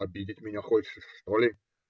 Обидеть меня хочешь, что ли?